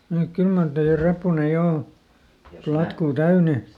mutta kyllä mar teidän reppunne jo on platkua täynnä